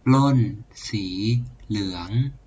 ปล้นสีเหลือง